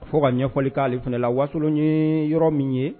Fo ka ɲɛfɔli k'aale fana la wasolon ye yɔrɔ min ye